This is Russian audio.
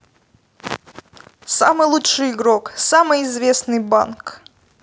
самый лучший игрок самый известный банк